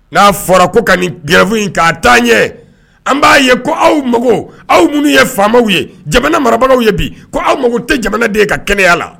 N'a fɔra ko ka ninfo'a' an ɲɛ an b'a ye ko aw mako aw minnu ye faama ye jamana marabagaw ye bi aw mago tɛ jamana de ye ka kɛnɛya la